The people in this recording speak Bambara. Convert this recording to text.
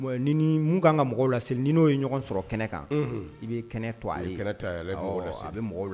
Kanan ka mɔgɔw la n'o ye ɲɔgɔn sɔrɔ kɛnɛ kan i bɛ kɛnɛ to bɛ la